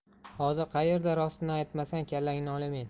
hozir qayerda rostini aytmasang kallangni olamen